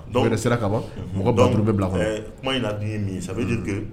Dɔw yɛrɛ sera kaban mɔgɔ 5000 bɛ bila a kɔnɔ , donc kuma in ka di ye nin ye ça veut dire que